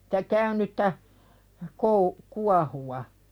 sitä käynyttä - kuohuvaa